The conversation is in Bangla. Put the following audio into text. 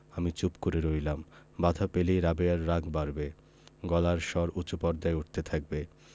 আমি চুপ করে রইলাম বাধা পেলেই রাবেয়ার রাগ বাড়বে গলার স্বর উচু পর্দায় উঠতে থাকবে